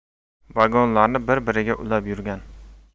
vagonlarni bir biriga ulab yurgan